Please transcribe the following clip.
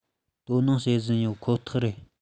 དོ སྣང བྱེད བཞིན ཡོད ཁོ ཐག རེད